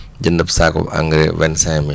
jëndab saako engrais vingt cinq mille